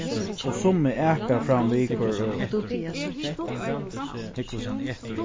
og summi aka fram við hvør øðrum